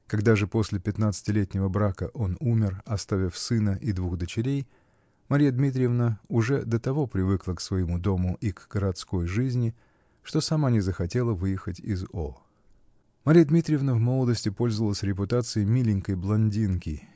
Когда же, после пятнадцатилетнего брака, он умер, оставив сына и двух дочерей, Марья Дмитриевна уже до того привыкла к своему дому и к городской жизни, что сама не захотела выехать из О. Марья Дмитриевна в молодости пользовалась репутацией миленькой блондинки